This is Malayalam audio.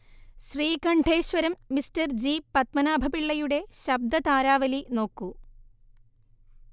ശ്രീകണ്ഠേശ്വരം മിസ്റ്റർ ജി പത്മനാഭപിള്ളയുടെ ശബ്ദതാരാവലി നോക്കൂ